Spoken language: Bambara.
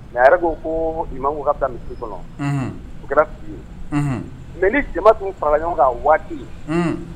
Nka a yɛrɛ ko ko i maku ka taa misi kɔnɔ u kɛra f ye mɛ ni jama tun farala ɲɔgɔn kan waati ye